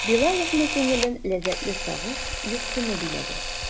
Билаловның күңелен ләззәтле сагыш, юксыну биләде.